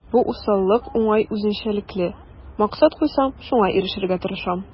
Бу усаллык уңай үзенчәлекле: максат куйсам, шуңа ирешергә тырышам.